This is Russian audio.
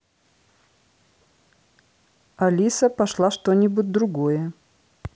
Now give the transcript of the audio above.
алиса пошла что нибудь другое